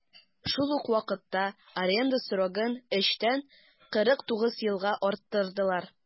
Шул ук вакытта аренда срогын 3 тән 49 елга арттырдылар.